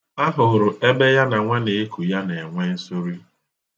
A hụrụ ebe ya na nwaneku ya na-enwe nsori.